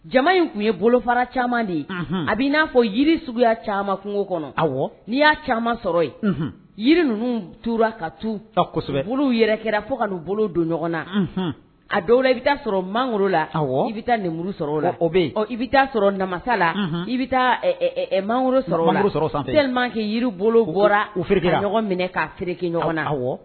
Jama in tun ye bolo fara caman de ye a bɛ n'a fɔ yiri suguya caman kungo kɔnɔ a n'i y'a caman sɔrɔ yen yiri ninnu tora ka taa kosɛbɛ olu yɛrɛ kɛra fo ka' bolo don ɲɔgɔn na a dɔw la i bɛ taa sɔrɔ mango la a i bɛ taa ninmuru sɔrɔ o la o bɛ i bɛ taa sɔrɔ namasa la i bɛ taa mangolo sɔrɔ sɔrɔ man kɛ yiri bolo bɔra u minɛ ka kiereke ɲɔgɔn na a wa